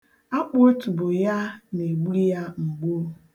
Akpụotubo ya na-egbu ya mgbu.